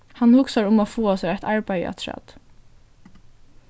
hann hugsar um at fáa sær eitt arbeiði afturat